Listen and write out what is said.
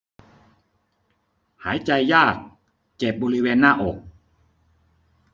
หายใจยากเจ็บบริเวณหน้าอก